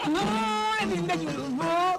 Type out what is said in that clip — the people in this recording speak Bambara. Saninɛ